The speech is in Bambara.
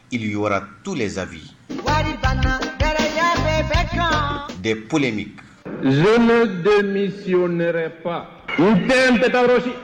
Yra tu n zsaa wariya bɛ de paullen min z den ni siɛ fa n den bɛ darosi